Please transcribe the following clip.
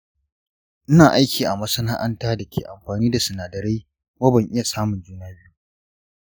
ina aiki a masana’anta da ke amfani da sinadarai kuma ban iya samun juna biyu.